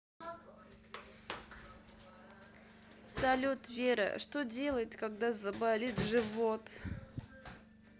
салют вера что делать когда заболит живот